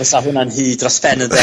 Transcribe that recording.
fysa hwnna'n hir dros ben ynde?